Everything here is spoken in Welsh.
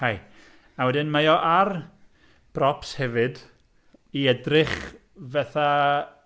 Aye. A wedyn mae o ar brops hefyd i edrych fatha...